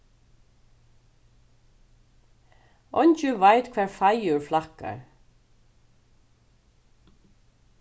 eingin veit hvar feigur flakkar